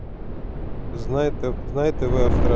знай тв австралия